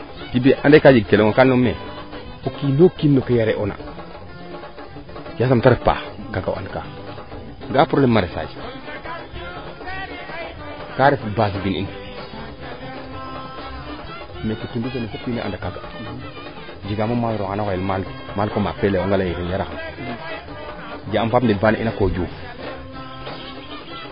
Djiby ande kal leyong me o kiino kiin no ke reend oonga yasam te ref paax kaaga o an kaa ga'a probleme maraissage kaa ref base mbin in meeke tundo lene fop wiin we anda kaaga jegaam o maasreso naa xoyel Malick Mal fo maak fe leyonga ley Sinjara jeg aam faap ɗeb faa ne'eena KO Diouf